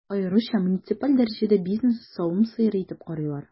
Аеруча муниципаль дәрәҗәдә бизнесны савым сыеры итеп карыйлар.